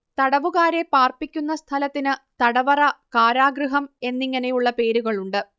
തടവുകാരെ പാർപ്പിക്കുന്ന സ്ഥലത്തിന് തടവറ കാരാഗൃഹം എന്നിങ്ങനെയുള്ള പേരുകളുണ്ട്